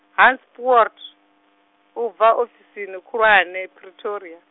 Hans Poot, u bva ofisini khulwane Pretoria.